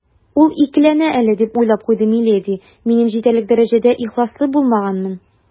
«ул икеләнә әле, - дип уйлап куйды миледи, - минем җитәрлек дәрәҗәдә ихласлы булмаганмын».